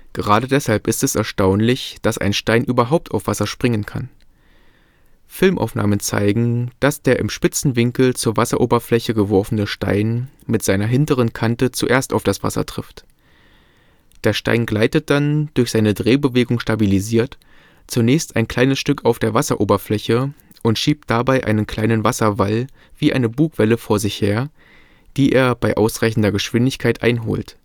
Gerade deshalb ist es erstaunlich, dass ein Stein überhaupt auf Wasser springen kann. Filmaufnahmen zeigen, dass der im spitzen Winkel zur Wasseroberfläche geworfene Stein mit seiner hinteren Kante zuerst auf das Wasser trifft. Der Stein gleitet dann, durch seine Drehbewegung stabilisiert, zunächst ein kleines Stück auf der Wasseroberfläche und schiebt dabei einen kleinen Wasserwall wie eine Bugwelle vor sich her, die er, bei ausreichender Geschwindigkeit, einholt